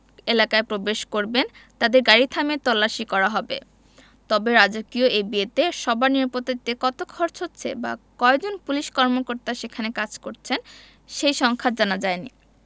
এলাকায় প্রবেশ করবেন তাঁদের গাড়ি থামিয়ে তল্লাশি করা হবে তবে রাজকীয় এই বিয়েতে সবার নিরাপত্তা দিতে কত খরচ হচ্ছে বা কয়জন পুলিশ কর্মকর্তা সেখানে কাজ করছেন সেই সংখ্যা জানা যায়নি